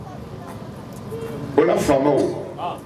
O faamu